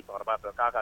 Cɛkɔrɔba'a